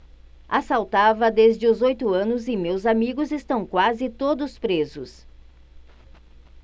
assaltava desde os oito anos e meus amigos estão quase todos presos